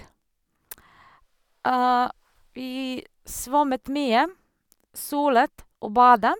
Vi svømte mye, solet og bada.